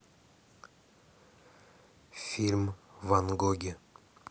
фильм ван гоги